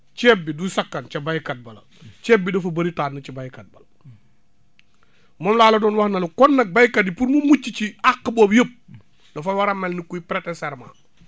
ceeb bi du sakkan ca baykat ba la ceeb bi dafa bëri tànn ca baykat ba la moom laa la doon wax ne la kon nag baykat bi pour mu mucc ci àq boobu yëpp dafa war a mel ni kuy preter serment